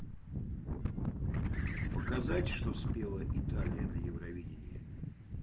показать что спела италия на евровидении